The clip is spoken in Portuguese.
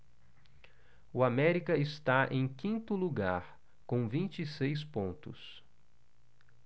o américa está em quinto lugar com vinte e seis pontos